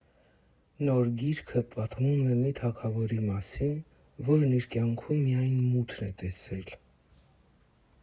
Նոր գիրքը պատմում է մի թագավորի մասին, որն իր կյանքում միայն մութն է տեսել։